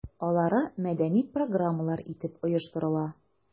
Алары мәдәни программалар итеп оештырыла.